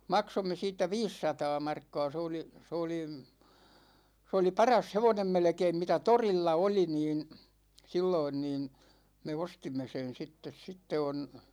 maksoimme siitä viisisataa markkaa se oli se oli se oli paras hevonen melkein mitä torilla oli niin silloin niin me ostimme sen sitten sitten on